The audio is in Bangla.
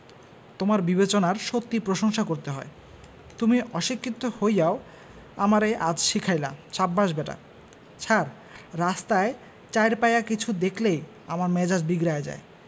তোমার বিবেচনার সত্যিই প্রশংসা করতে হয় তুমি অশিক্ষিতো হইয়াও আমারে আজ শিখাইলা সাব্বাস ব্যাটা ছার রাস্তায় চাইর পায়া কিছু দেখলেই আমার মেজাজ বিগড়ায়া যায়